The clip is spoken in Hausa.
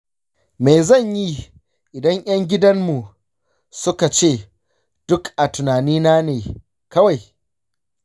me zan yi idan 'yan gidan mu suka ce duk a tunanina ne kawai?